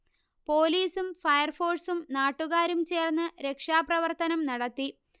പോലീസും ഫയർഫോഴ്സും നാട്ടുകാരും ചേർന്ന് രക്ഷാപ്രവർത്തനം നടത്തി